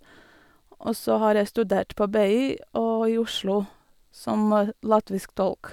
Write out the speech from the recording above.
Og så har jeg studert på BI og i Oslo, som latvisk tolk.